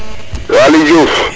Waly Diuouf